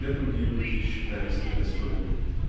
все другие пути считались недостойными